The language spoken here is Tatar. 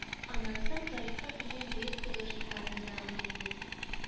Аннан соң тарихка кергән бөек художникларны да онытмыйк.